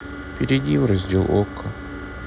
перейди в раздел окко